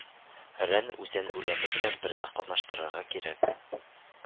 Рән, үзән үләне белән бергә катнаштырырга кирәк